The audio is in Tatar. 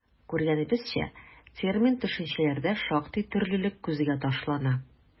Күргәнебезчә, термин-төшенчәләрдә шактый төрлелек күзгә ташлана.